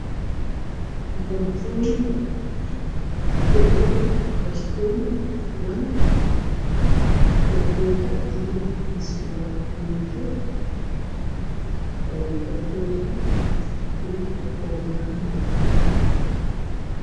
Waa barfuumooyin ku jiraan kartoomo